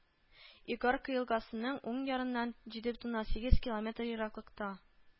Игарка елгасының уң ярыннан җиде бөтен уннан сигез километр ераклыкта